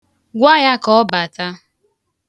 Gwa ya ka ọ bata